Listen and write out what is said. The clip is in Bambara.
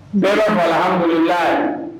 Bɛɛ ka fɔ alhamdulilahi .